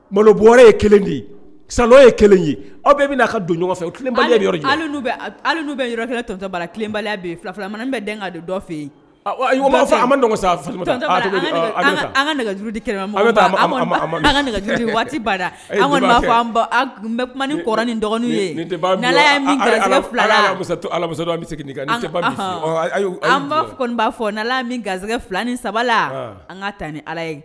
Malo bɔra ye kelen de ye salo ye kelen ye aw bɛɛ ka donu bɛ yɔrɔ kelen tɔtan kelenbaliya fila fila bɛ bɛn de dɔ fɛ yen b'a fɔ sa ka nɛgɛjuru kelen k ni dɔgɔnin ye an'a fɔ'a fɔ min gansɛgɛ fila ni saba an ka taa ni ala ye